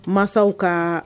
Mansaw ka